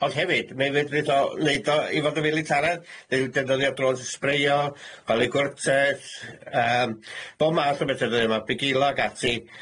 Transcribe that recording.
ond hefyd mi fedrith o neud o i fod yn filitaraidd, neu'n defnyddio drôns i sbreio, chwalu gwrtaith, yym, bob math o bethe dyddie 'ma, bugeilo ag ati.